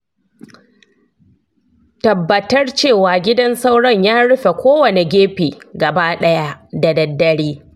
tabbatar cewa gidan sauron ya rufe kowane gefe gaba ɗaya da daddare.